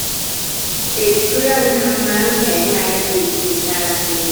ปิดเครื่องทำน้ำแข็งในอีกสิบนาที